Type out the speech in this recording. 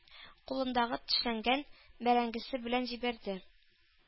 Кулындагы тешләнгән бәрәңгесе белән җибәрде...